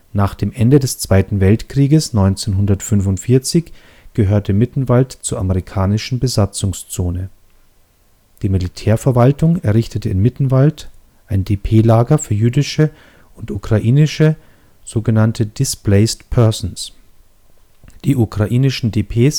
Nach dem Ende des Zweiten Weltkrieges 1945 gehörte Mittenwald zur Amerikanischen Besatzungszone. Die Militärverwaltung errichtete in Mittenwald ein DP-Lager für jüdische und ukrainische so genannte Displaced Persons (DPs). Die ukrainischen DPs